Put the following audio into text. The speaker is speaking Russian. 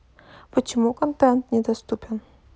почему контент недоступен